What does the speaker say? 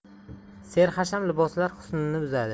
serxasham liboslar husnni buzadi